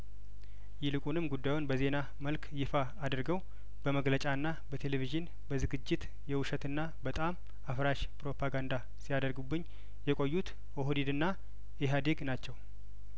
ይልቁንም ጉዳዩን በዜና መልክ ይፋ አድርገው በመግለጫና በቴሌቪዥን በዝግጅት የውሸትና በጣም አፍራሽ ፕሮፓጋንዳ ሲያደርጉብኝ የቆዩት ኦህዲ ድና ኢህአዲግ ናቸው